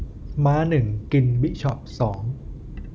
ม้าหนึ่งกินบิชอปสอง